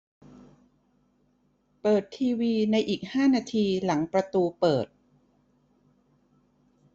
เปิดทีวีในอีกห้านาทีหลังประตูเปิด